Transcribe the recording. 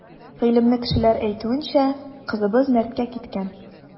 Гыйлемле кешеләр әйтүенчә, кызыбыз мәрткә киткән.